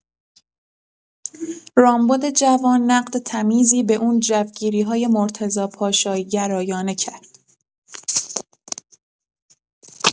رامبدجوان نقد تمیزی به اون جوگیری‌های مرتضی پاشایی‌گرایانه کرد.